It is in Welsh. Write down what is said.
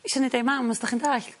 Isio neud o i mam os 'dach chi'n dall.